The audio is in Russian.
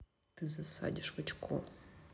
ты засадишь в очко